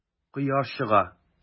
Кояш чыга.